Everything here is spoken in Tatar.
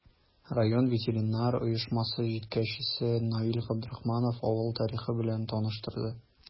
Район ветераннар оешмасы җитәкчесе Наил Габдрахманов авыл тарихы белән таныштырды.